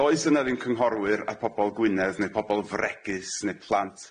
Does yna ddim cynghorwyr a pobol Gwynedd neu pobol fregus neu plant.